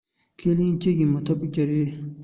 ཁས ལེན དེ བཞིན མི ཐུབ ཀི ཡིན